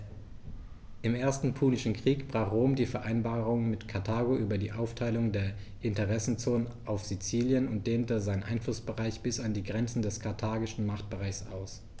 Im Ersten Punischen Krieg brach Rom die Vereinbarung mit Karthago über die Aufteilung der Interessenzonen auf Sizilien und dehnte seinen Einflussbereich bis an die Grenze des karthagischen Machtbereichs aus.